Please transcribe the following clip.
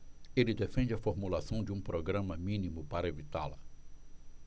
ele defende a formulação de um programa mínimo para evitá-la